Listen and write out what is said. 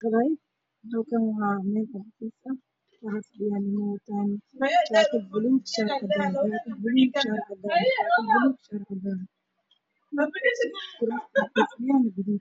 Meshaan waa meel xafiis ah waxaa fadhiyo niman wataan jaakado buluug ah